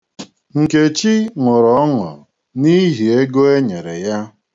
Nkechi ṅụrụ ọṅụ n'ihi ihe ego e nyere ya m